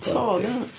To 'di hwnna.